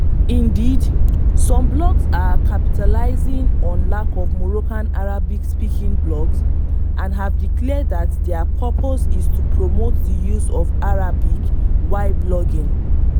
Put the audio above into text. Indeed, some blogs are capitalizing on the lack of Moroccan Arabic-speaking blogs and have declared that their purpose is to promote the use of Arabic while blogging.